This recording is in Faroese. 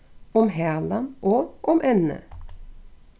um halan og um ennið